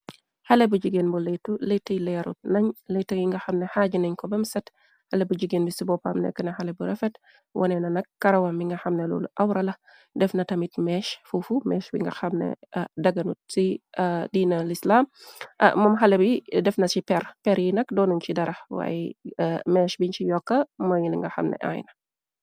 Xele bu jigéen bu leytu leytay leeru nañ leyta yi nga xamne xaaji nañ ko bem set. Xale bu jigéen bi ci bopp am nekk na xale bu refet. Wone na nak karawam bi nga xamne loolu awrala defna tamit mees fuufu. Meesh bi nga xamne daganu diina lislam moom xale bi. Defna ci per yi nak doonuñ ci darax waaye meesh biñ ci yokka mooyil nga xamne ayna.